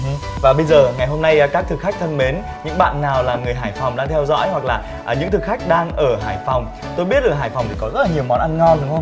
và bây giờ ngày hôm nay các thực khách thân mến những bạn nào là người hải phòng đang theo dõi hoặc là những thực khách đang ở hải phòng tôi biết được ở hải phòng thì có rất nhiều món ăn ngon đúng hông